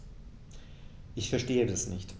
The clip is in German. Ich verstehe das nicht.